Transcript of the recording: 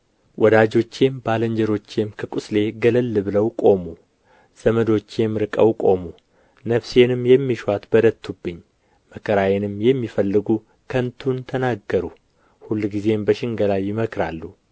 ወዳጆቼም ባልንጀሮቼም ከቍስሌ ገለል ብለው ቆሙ ዘመዶቼም ርቀው ቆሙ ነፍሴንም የሚሹአት በረቱብኝ መከራዬንም የሚፈልጉ ከንቱን ተናገሩ ሁልጊዜም በሽንገላ ይመክራሉ